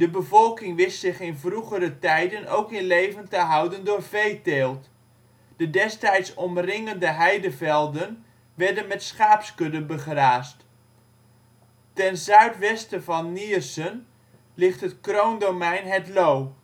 bevolking wist zich in vroegere tijden ook in leven te houden door veeteelt. De destijds omringende heidevelden werden met schaapskudden begraasd. Ten zuiden (westen) van Niersen ligt het Kroondomein Het Loo